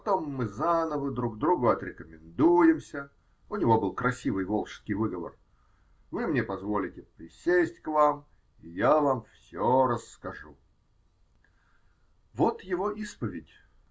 потом мы заново друг другу отрекомендуемся (у него был красивый волжский выговор), вы мне позволите присесть к вам, и я вам все расскажу. *** Вот его исповедь.